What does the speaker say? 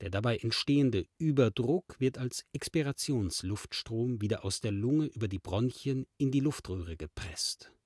dabei entstehende Überdruck wird als Exspirationsluftstrom wieder aus der Lunge über die Bronchien in die Luftröhre gepresst